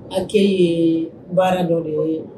A kɛ ye baara dɔ de ye